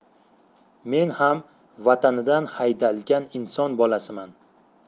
men ham vatanidan haydalgan inson bolasiman